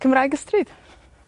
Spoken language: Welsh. Cymraeg y stryd.